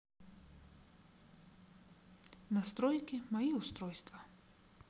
настройки мои устройства